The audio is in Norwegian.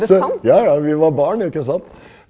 ja ja vi var barn ikke sant.